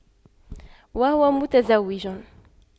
وهو متزوج